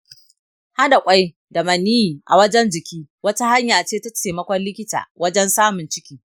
haɗa ƙwai da maniyyi a wajen jiki wata hanya ce ta taimakon likita wajen samun ciki.